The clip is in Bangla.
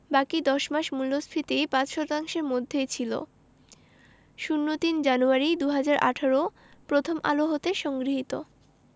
বাকি ১০ মাস মূল্যস্ফীতি ৫ শতাংশের মধ্যেই ছিল ০৩ জানুয়ারি ২০১৮ প্রথম আলো হতে সংগৃহীত